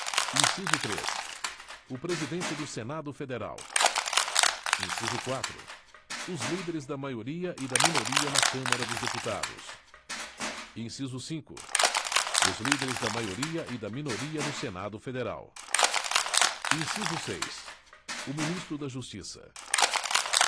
inciso três o presidente do senado federal inciso quatro os líderes da maioria e da minoria na câmara dos deputados inciso cinco os líderes da maioria e da minoria no senado federal inciso seis o ministro da justiça